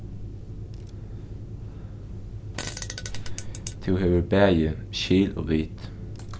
tú hevur bæði skil og vit